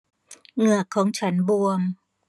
เหงือกของฉันบวม